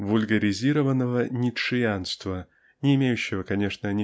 вульгаризованного "ницшеанства" (не имеющего конечно